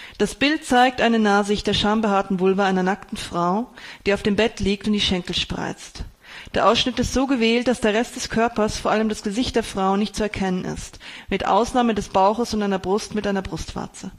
Das Bild zeigt eine Nahsicht der schambehaarten Vulva einer nackten Frau, die auf dem Bett liegt und die Schenkel spreizt. Der Ausschnitt ist so gewählt, dass der Rest des Körpers, vor allem das Gesicht der Frau, nicht zu erkennen ist, mit Ausnahme des Bauches und einer Brust mit erigierter Brustwarze